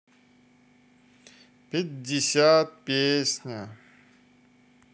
пятьдесят песня